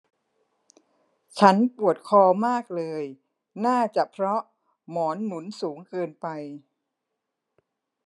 ฉันปวดคอมากเลยน่าจะเพราะหมอนหนุนสูงเกินไป